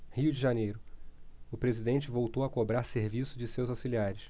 rio de janeiro o presidente voltou a cobrar serviço de seus auxiliares